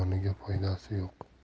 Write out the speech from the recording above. joniga foydasi yo'q